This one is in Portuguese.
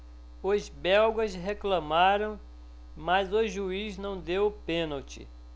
os belgas reclamaram mas o juiz não deu o pênalti